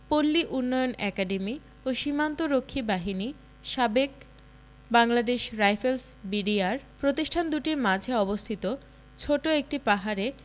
পল্লী উন্নয়ন অ্যাকাডেমি ও সীমান্ত রক্ষী বাহিনী সাবেক বাংলাদেশ রাইফেলস বি.ডি.আর প্রতিষ্ঠান দুটির মাঝে অবস্থিত ছোট একটি পাহাড়ে